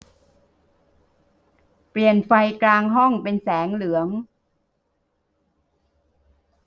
เปลี่ยนไฟกลางห้องเป็นแสงเหลือง